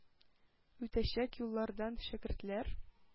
Үтәчәк юллардан шәкертләр